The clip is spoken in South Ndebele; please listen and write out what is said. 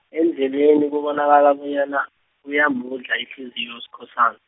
endleleni kubonakale bonyana, iyamudla ihliziyo Uskhosan-.